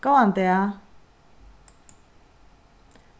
góðan dag